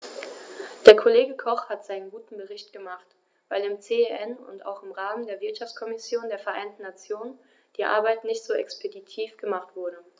Der Kollege Koch hat seinen guten Bericht gemacht, weil im CEN und auch im Rahmen der Wirtschaftskommission der Vereinten Nationen die Arbeit nicht so expeditiv gemacht wurde.